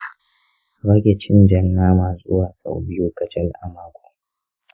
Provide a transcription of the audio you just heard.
rage cin jan nama zuwa sau biyu kacal a mako.